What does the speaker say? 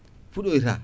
fuɗoyta